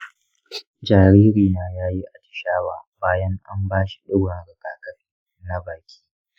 jaririna ya yi atishawa bayan an ba shi digon rigakafi na baki.